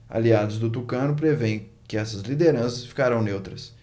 aliados do tucano prevêem que essas lideranças ficarão neutras